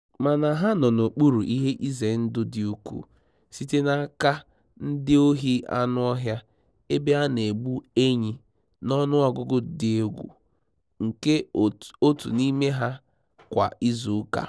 Mana ha nọ n'okpuru ihe ize ndụ dị ukwuu site n'aka ndị ohi anụ ọhịa, ebe a na-egbu enyi n'ọnụọgụgụ dị egwu nke otu n'ime ha kwa izuụka